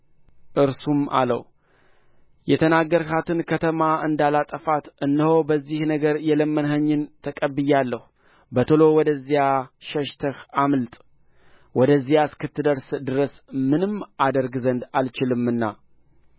እርሱም አለው የተናገርሃትን ከተማ እንዳላጠፋት እነሆ በዚህ ነገር የለመንኸኝን ተቀብዬሃለሁ በቶሎ ወደዚያ ሸሽትህ አምልጥ ወደዚያ እስክትደርስ ድረስ ምንም አደርግ ዘንድ አልችልምና